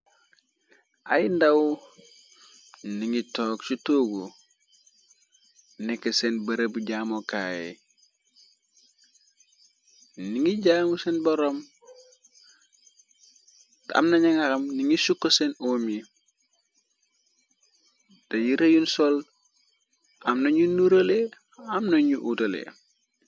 Ay ndaw ningi toog ci tóogu nekk seen bërëb jaamokaay ni ngi jaamu seen boromeam naña ngaxam ningi sukko seen omi te yi reyun sol amnañu nurale amnañu uutale.